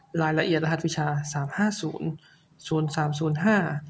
รายละเอียดรหัสวิชาสามห้าศูนย์ศูนย์สามศูนย์ห้า